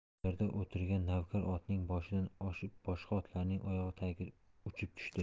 egarda o'tirgan navkar otning boshidan oshib boshqa otlarning oyog'i tagiga uchib tushdi